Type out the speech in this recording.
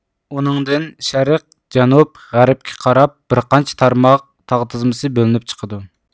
ئۇنىڭدىن شەرق جەنۇب غەربكە قاراپ بىر قانچە تارماق تاغ تىزمىسى بۆلۈنۈپ چىقىدۇ